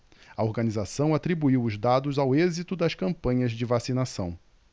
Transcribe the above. a organização atribuiu os dados ao êxito das campanhas de vacinação